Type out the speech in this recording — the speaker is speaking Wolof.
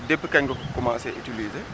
depuis kañ nga ko commencé utilisé